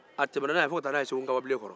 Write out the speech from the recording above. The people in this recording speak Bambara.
a tɛmɛna n'a ye ka taa fo segu kababilen kɔrɔ